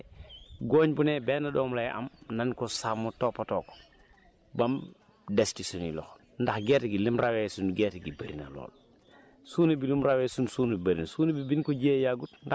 gerte gi même bu dee ngooñ bu ne benn doom lay am na nga ko sàmm toppatoo ko bam des ci suñuy loxo ndax gerte gi lim rawee suñ gerte gi bëri na lool suuna bi lim rawee suñ suuna bi bëri na